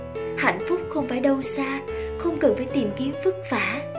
hạnh phúc không phải đâu xa không cần phải tìm kiếm vất vả